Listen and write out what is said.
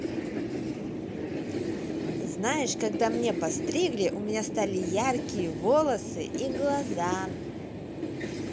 знаешь когда мне постригли у меня стали яркие волосы и глаза